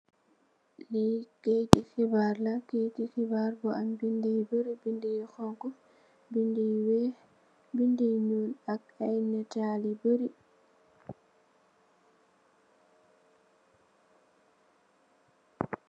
Li kaytu heebar la, kayetu heebar bu am binda yu bari. Binda yu honku, binda yu weeh, binda yu ñuul ak ay ñataal yu bari.